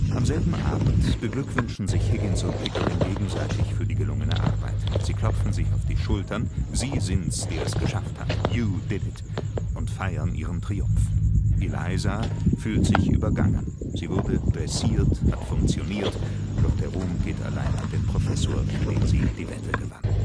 Am selben Abend beglückwünschen sich Higgins und Pickering gegenseitig für die gelungene Arbeit. Sie klopfen sich auf die Schultern (Sie sind’ s, der es geschafft hat/You Did It) und feiern ihren Triumph. Eliza fühlt sich übergangen; sie wurde dressiert, hat funktioniert, doch der Ruhm geht allein an den Professor, für den sie die Wette gewann